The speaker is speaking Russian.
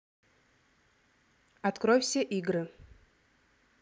открой все игры